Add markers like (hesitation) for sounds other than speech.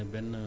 (hesitation) (hesitation)